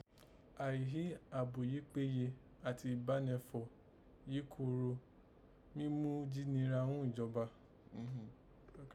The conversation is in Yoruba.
Àìhí àbò yìí péye àti ìbànẹfọ̀ yìí yè kooro ó mí mu jí nira ghún ìjọba